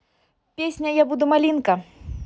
песня я буду малинка